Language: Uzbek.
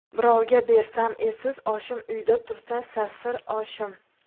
birovga bersam essiz oshim uyda tursa sasir oshim